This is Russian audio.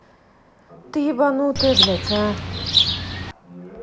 ты ебанутая блядь а